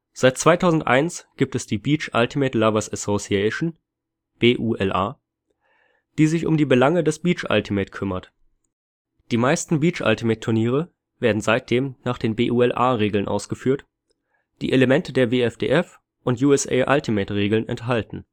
Seit 2001 gibt es die Beach Ultimate Lovers Association (BULA), die sich um die Belange des Beach Ultimate kümmert. Die meisten Beach-Ultimate-Turniere werden seitdem nach den BULA-Regeln ausgeführt, die Elemente der WFDF - und USA-Ultimate-Regeln enthalten